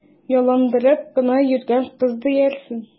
Ялындырып кына йөргән кыз диярсең!